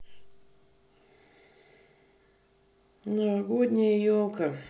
новогодняя елка